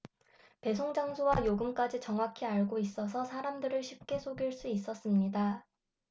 배송장소와 요금까지 정확히 알고 있어서 사람들을 쉽게 속일 수 있었습니다